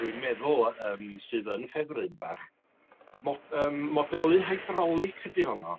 dwi'n meddwl yym sydd yn ffefryn bach mod- yym modelu heidrolic ydi honno